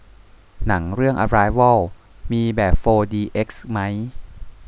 หนังเรื่องอะไรวอลมีแบบโฟร์ดีเอ็กซ์มั้ย